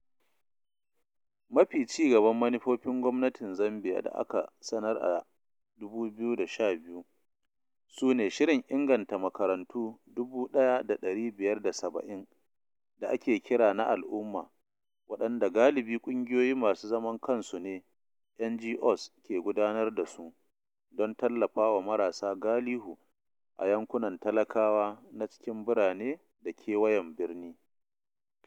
Mafi cigaban manufofin gwamnatin Zambiya da aka sanar a 2012, su ne shirin inganta makarantu 1,570 da ake kira na al’umma, waɗanda galibi ƙungiyoyi masu zaman kansu ne (NGOs) ke gudanar dasu, don tallafawa marasa galihu a yankunan talakawa na cikin birane da kewayen birni.